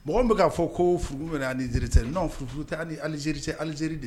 Mɔgɔ bɛ'a fɔ ko furu minɛ aniete n'anw furuurute ani alizeri alizeri de